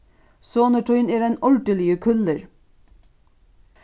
sonur tín er ein ordiligur kúllur